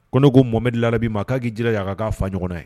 Ko n ko momɛdi lara b' ma k'a k'i jira yan k'a fa ɲɔgɔnna ye